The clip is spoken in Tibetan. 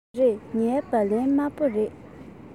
མ རེད ངའི སྦ ལན དམར པོ རེད